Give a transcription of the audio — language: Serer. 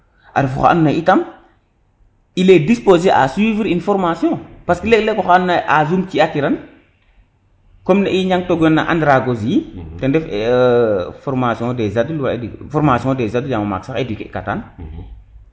a ref oxa nado naye itam il est disposer a suivre une formation parce que leg leg oxa and naye age um ci a tiran comme ne i njang to guna na endralogie ten ref formation des adultes yamo maak sax eduquer kaan